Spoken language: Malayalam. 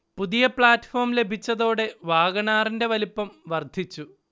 പുതിയ പ്ലാറ്റ്ഫോം ലഭിച്ചതോടെ വാഗണാറിന്റെ വലുപ്പം വർധിച്ചു